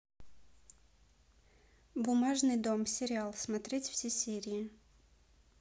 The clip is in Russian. бумажный дом сериал смотреть все серии